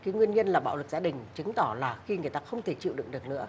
cái nguyên nhân là bạo lực gia đình chứng tỏ là khi người ta không thể chịu đựng được nữa